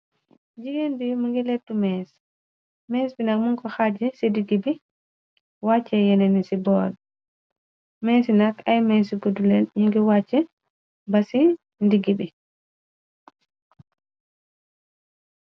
Jigéen bi mu ngi lettu mees, mees bi nak mun ko xarji ci diggi bi wàche yene ni ci boor, mees nak ay mess ci guddulel yi ngi wàcce ba ci ndiggi bi.